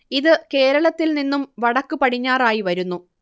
ഇത് കേരളത്തിൽ നിന്നും വടക്ക് പടിഞ്ഞാറായി വരുന്നു